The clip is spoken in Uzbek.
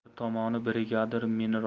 bir tomoni brigadir meni